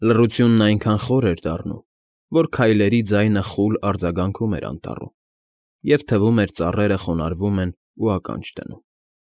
Լռությունն այնքան խոր էր դառնում, որ քայլերի ձայնը խուլ արձագանքում էր անտառում և թվում էր ծառերը խոնարհվում են ու ականջ դնում։